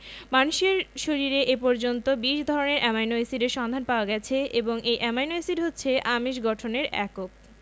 মানুষের শরীরে এ পর্যন্ত ২০ ধরনের অ্যামাইনো এসিডের সন্ধান পাওয়া গেছে এবং এই অ্যামাইনো এসিড হচ্ছে আমিষ গঠনের একক